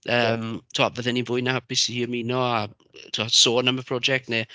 Yym, timod fydden ni'n fwy na hapus i ymuno a tibod sôn am y prosiect neu...